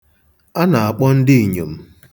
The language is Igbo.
A na-akpọ ndịinyo m.